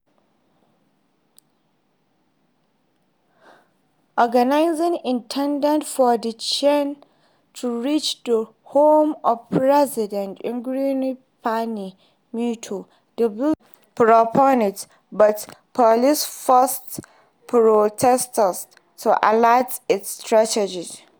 Organizers intended for the chain to reach the home of President Enrique Pena Nieto, the bill’s chief proponent, but police forced protesters to alter its trajectory.